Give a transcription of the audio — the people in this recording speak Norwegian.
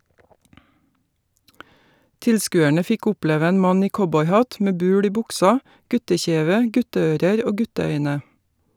Tilskuerne fikk oppleve en mann i cowboy-hatt, med bul i buksa , guttekjeve, gutteører og gutteøyne.